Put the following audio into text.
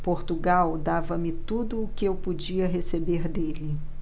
portugal dava-me tudo o que eu podia receber dele